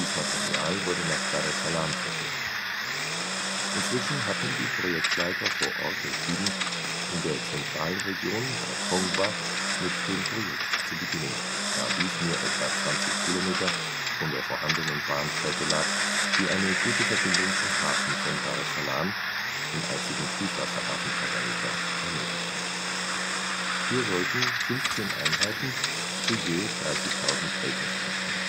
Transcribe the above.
Material wurde nach Dar es Salaam verschifft. Inzwischen hatten die Projektleiter vor Ort entschieden, in der Zentralregion bei Kongwa mit dem Projekt zu beginnen, da dies nur etwa 20 km von der vorhandenen Bahnstrecke lag, die eine gute Verbindung zum Hafen von Dar es Salaam – dem einzigen Tiefwasserhafen Tanganyikas – ermöglichte. Hier sollten 15 Einheiten zu je 30.000 acres entstehen